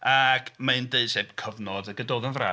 Ac mae'n deud... sef cyfnod y Gododdin yn fras.